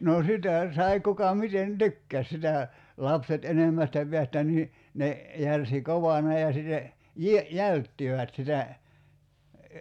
no sitä sai kuka miten tykkäsi sitä lapset enimmästä päästä niin ne järsi kovana ja sitten - jälttivät sitä